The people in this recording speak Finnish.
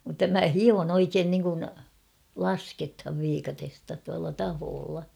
mutta minä hion oikein niin kuin lasketaan viikatetta tuolla tahkolla